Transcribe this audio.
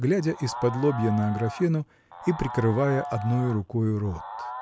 глядя исподлобья на Аграфену и прикрывая одною рукою рот.